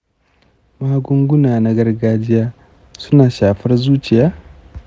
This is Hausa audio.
magunguna na gargajiya suna shafar zuciya?